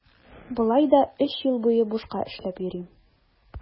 Болай да өч ел буе бушка эшләп йөрим.